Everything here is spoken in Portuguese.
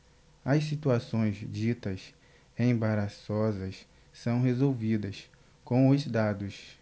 as situações ditas embaraçosas são resolvidas com os dados